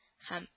Һәм